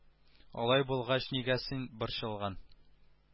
Алай булгач нигә син борчылган